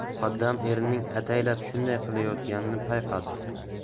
muqaddam erining ataylab shunday qilayotganini payqadi